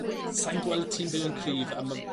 sai'n gweld tîm digon cryf a ma'